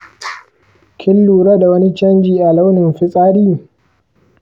kin lura da wani canji a launin fitsari?